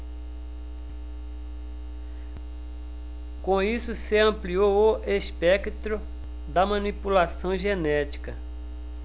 com isso se ampliou o espectro da manipulação genética